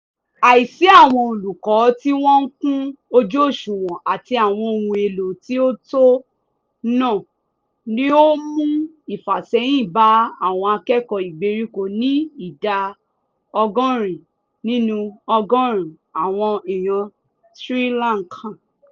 Àìsí àwọn olùkọ tí wọ́n kún ojú òṣùwọ̀n àti àwọn ohun èlò tí ó tó [náà] ni ó ń mú ìfàsẹ́yìn bá àwọn akẹ́kọ̀ọ́ ìgbèríko ní ìdá 80% àwọn èèyàn Sri Lanka.